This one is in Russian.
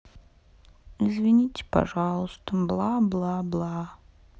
извините пожалуйста бла бла бла